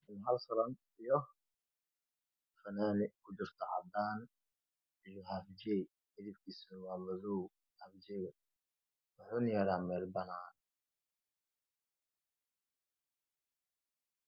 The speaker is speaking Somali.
Hal sanam iyo funanad kujirto cadaan eh iyo haf jeey midabkiisu waa madoow hafjeyga wuxuna yaala meel banan